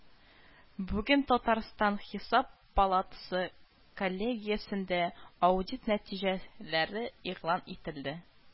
Бүген Татарстан Хисап палатасы коллегиясендә аудит нәтиҗә ләре игълан ителде